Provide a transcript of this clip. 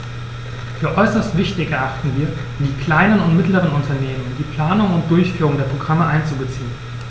Für äußerst wichtig erachten wir, die kleinen und mittleren Unternehmen in die Planung und Durchführung der Programme einzubeziehen.